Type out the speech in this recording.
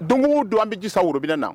Donw don an bɛ jisaurubiina na